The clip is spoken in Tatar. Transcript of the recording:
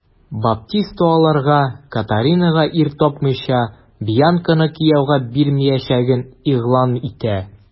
Баптиста аларга, Катаринага ир тапмыйча, Бьянканы кияүгә бирмәячәген игълан итә.